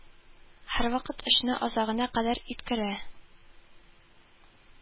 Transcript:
Һәрвакыт эшне азагына кадәр иткерә